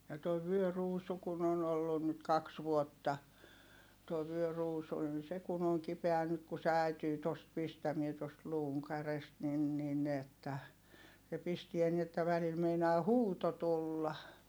ja tuo vyöruusu kun on ollut nyt kaksi vuotta tuo vyöruusu niin se kun on kipeä nyt kun se äityy tuosta pistämään tuosta luun kärjestä niin niin että se pistää niin että välillä meinaa huuto tulla